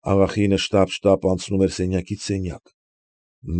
Աղախինը շտապ֊շտապ անցնում էր սենյակից սենյակ։